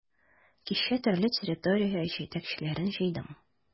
Кичә төрле территория җитәкчеләрен җыйдым.